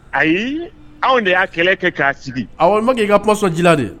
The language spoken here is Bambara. Ayi! anw de y'a kɛlɛ kɛ k'a sigi. Awɔ, n bɛ k'i kuma sɔn ji la.